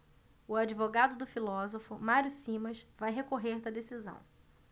o advogado do filósofo mário simas vai recorrer da decisão